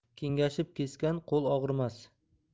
kengashib kesgan qo'l og'rimas